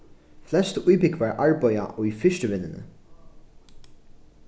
flestu íbúgvar arbeiða í fiskivinnuni